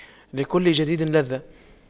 لكل جديد لذة